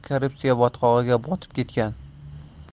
korrupsiya botqog'iga botib ketgan